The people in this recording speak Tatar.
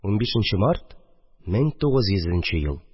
15 нче март, 1900 ел